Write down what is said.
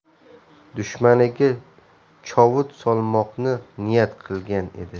dushmaniga chovut solmoqni niyat qilgan edi